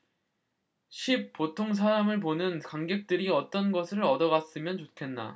십 보통사람을 보는 관객들이 어떤 것을 얻어갔으면 좋겠나